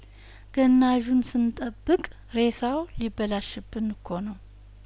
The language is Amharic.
ገና ዡን ስንጠብቅ እሬሳው ሊበላሽብን እኮ ነው